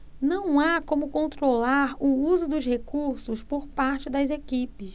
não há como controlar o uso dos recursos por parte das equipes